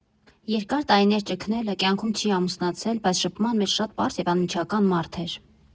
Երկար տարիներ ճգնել է, կյանքում չի ամուսնացել, բայց շփման մեջ շատ պարզ և անմիջական մարդ էր։